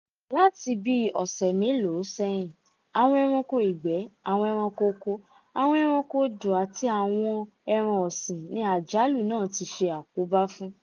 Láti bíi ọ̀sẹ̀ mélòó sẹ́yìn, àwọn ẹranko ìgbẹ́, àwọn ẹranko oko, àwọn ẹranko odò àti àwọn ẹran ọ̀sìn ni àjálù náà ti ṣe àkóbá fún.